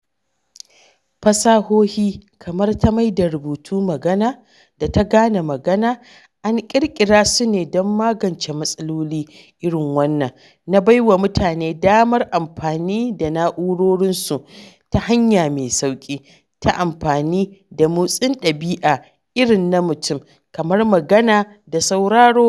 Fasahohi, kamar ta maida-rubutu-magana, da ta gane magana, an ƙirƙira su ne don magance matsaloli irin wannan: na bai wa mutane damar amfani da na’urorinsu ta hanya mai sauƙi, ta amfani da motsin ɗabi’a irin na mutum kamar magana da sauraro.